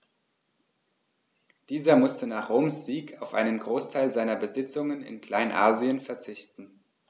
Dieser musste nach Roms Sieg auf einen Großteil seiner Besitzungen in Kleinasien verzichten.